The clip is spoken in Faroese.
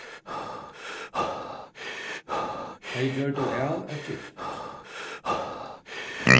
tey gjørdu av at giftast